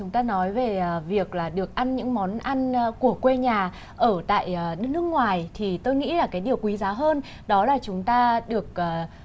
chúng ta nói về việc là được ăn những món ăn của quê nhà ở tại đất nước ngoài thì tôi nghĩ là cái điều quý giá hơn đó là chúng ta được cờ